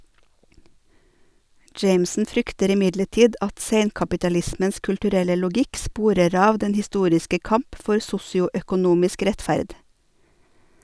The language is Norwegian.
Jameson frykter imidlertid at seinkapitalismens kulturelle logikk sporer av den historiske kamp for sosioøkonomisk rettferd.